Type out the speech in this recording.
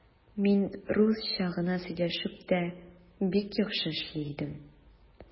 Мин русча гына сөйләшеп тә бик яхшы эшли идем.